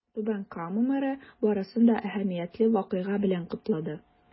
Түбән Кама мэры барысын да әһәмиятле вакыйга белән котлады.